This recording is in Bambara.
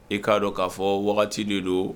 I k'a dɔn k'a fɔ wagati de don